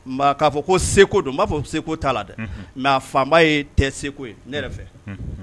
K'a fɔ ko don b'a fɔ segu t'a la dɛ nka faama ye tɛ segu ye